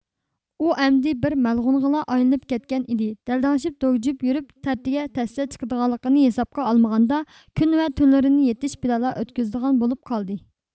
ئۇ ئەمدى بىر مەلغۇنغىلا ئايلىنىپ كەتكەن ئىدى دەلدەڭشىپ دوگجۇپ يۈرۈپ تەرىتىگە تەستە چىقىدىغانلىقىنى ھېسابقا ئالمىغاندا كۈن ۋە تۈنلىرىنى يېتىش بىلەنلا ئۆتكۈزىدىغان بولۇپ قالدى